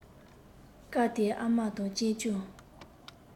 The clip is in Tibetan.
སྐབས དེར ཨ མ དང གཅེན གཅུང